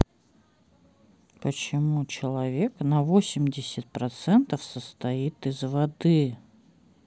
почему человек на восемьдесят процентов состоит из воды